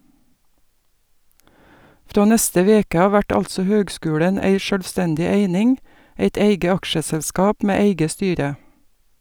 Frå neste veke av vert altså høgskulen ei sjølvstendig eining , eit eige aksjeselskap med eige styre.